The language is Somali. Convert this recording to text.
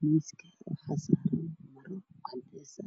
miiskan waxa saran maro cadaysa